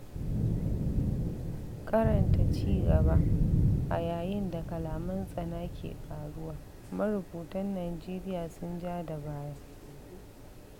Karanta cigaba: A yayin da kalaman tsana ke ƙaruwa, Marubutan Nijeriya sun ja da baya.